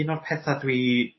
un o'r petha dwi